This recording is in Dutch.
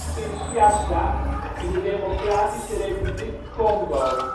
Kinshasa (Democratische Republiek Congo